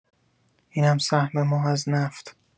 اینم سهم ما از نفت!